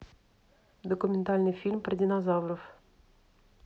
документальный фильм про динозавров